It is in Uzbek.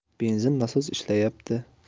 benzin nasosi ishlayapti